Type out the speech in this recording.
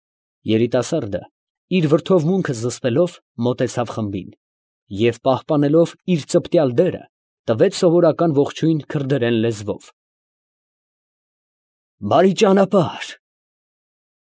Երիտասարդը իր վրդովմունքը զսպելով, մոտեցավ խմբին, և պահպանելով իր ծպտյալ դերը, տվեց սովորական ողջույն քրդերեն լեզվով. ֊ Բարի՜ ճանապարհ։ ֊